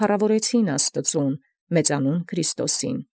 Փառաւոր առնելով զԱստուած, զմեծանունն Քրիստոս։